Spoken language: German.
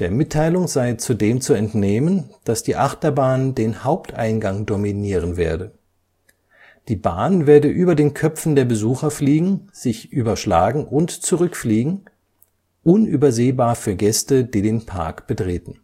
Mitteilung sei zudem zu entnehmen, dass die Achterbahn den Haupteingang dominieren werde. Die Bahn werde über den Köpfen der Besucher fliegen, sich überschlagen und zurückfliegen – unübersehbar für Gäste, die den Park betreten